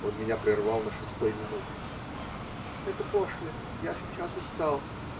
Он меня прервал на шестой минуте. -- Это после, я сейчас устал.